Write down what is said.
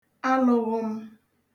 alụ̄ghụ̄m